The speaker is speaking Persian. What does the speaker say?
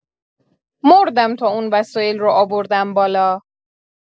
مردم تا اون وسایل رو آوردم بالا